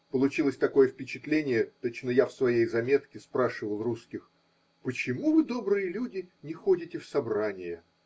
Получилось такое впечатление, точно я в своей заметке спрашивал русских: почему вы, добрые люди, не ходите в собрания?